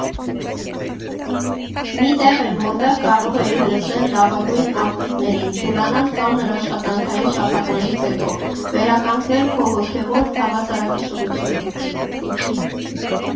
Մի տեղ էր, որտեղ կարող էիր լսել լավագույն արտիստներին, թուլանալ ծանր աշխատանքային շաբաթվանից հետո, վերականգնել քո հոգևոր հավասարակշռությունը։